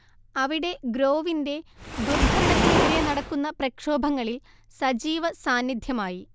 അവിടെ ഗ്രോവിന്റെ ദുർഭരണത്തിനെതിരേ നടക്കുന്ന പ്രക്ഷോഭങ്ങളിൽ സജീവ സാന്നിദ്ധ്യമായി